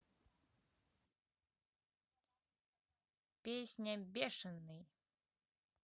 песня бешенный